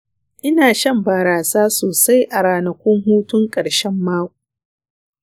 ina shan barasa sosai a ranakun hutun ƙarshen mako